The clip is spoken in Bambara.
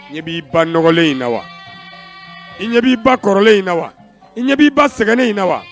Ne b'i ba nɔgɔlen in na wa i ɲɛ bi ba kɔrɔlen in na wa i ɲɛ'i ba sɛgɛnnen in na wa